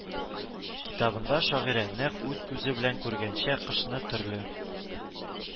Китабында шагыйрә, нәкъ үз күзе белән күргәнчә, кышны төрле